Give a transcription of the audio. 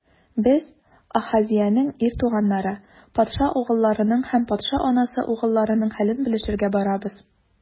Без - Ахазеянең ир туганнары, патша угылларының һәм патша анасы угылларының хәлен белешергә барабыз.